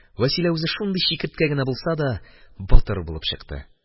Вәсилә, үзе шулай чикерткә генә булса да, батыр булып чыкты